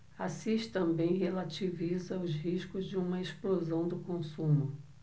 assis também relativiza os riscos de uma explosão do consumo